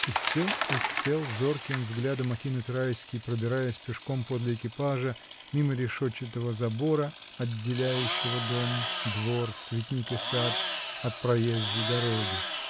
И всё успел зорким взглядом окинуть Райский, пробираясь пешком подле экипажа, мимо решетчатого забора, отделяющего дом, двор, цветник и сад от проезжей дороги.